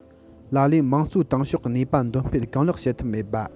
ལ ལས དམངས གཙོའི ཏང ཤོག གི ནུས པ འདོན སྤེལ གང ལེགས བྱེད ཐུབ མེད པ